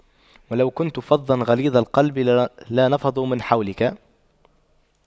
وَلَو كُنتَ فَظًّا غَلِيظَ القَلبِ لاَنفَضُّواْ مِن حَولِكَ